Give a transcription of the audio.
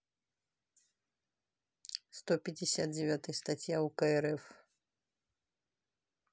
сто пятьдесят девятая статья ук рф